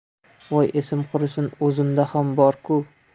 voy esim qursin o'zimda ham bor ku